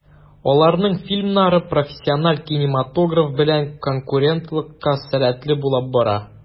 Аларның фильмнары профессиональ кинематограф белән конкурентлыкка сәләтле булып бара.